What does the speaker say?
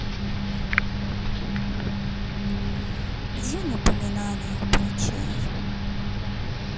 где напоминание про чай